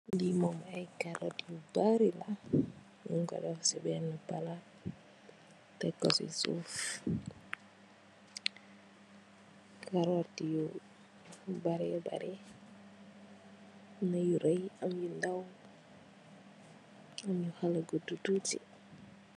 Lii mom aiiy carrot yu bari la, njung kor def cii benue plat, tek kor cii suff, carrot yu bareh bari, amna yu reyy am yu ndaw, am yu halar gudu tuti.